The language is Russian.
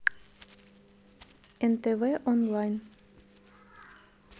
нтв онлайн